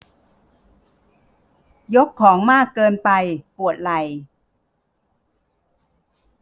ยกของมากเกินไปปวดไหล่